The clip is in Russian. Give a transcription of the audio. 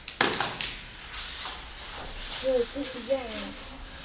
джой ты пьяная